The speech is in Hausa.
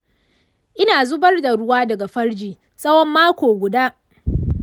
ina zubar da ruwa daga farji tsawon mako guda.